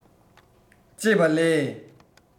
ཅེས པ ལས